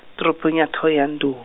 toropong ya Thohoyandou.